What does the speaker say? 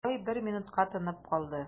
Строй бер минутка тынып калды.